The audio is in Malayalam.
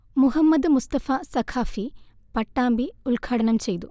മുഹമ്മ്ദ് മുസ്ഥഫ സഖാഫി പട്ടാമ്പി ഉൽഘാടനം ചെയ്തു